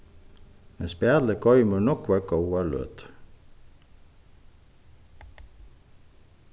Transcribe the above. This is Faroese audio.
men spælið goymir nógvar góðar løtur